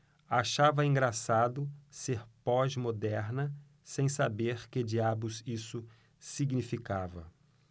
achava engraçado ser pós-moderna sem saber que diabos isso significava